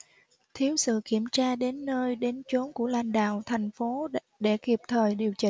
thiếu sự kiểm tra đến nơi đến chốn của lãnh đạo thành phố để kịp thời điều chỉnh